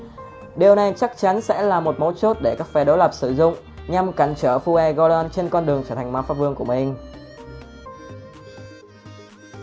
điều này chắc chắn sẽ là mấu chốt để các phe đối lập sử dụng nhằm cản trở fuegoleon trên con đường trở thành mpv của mình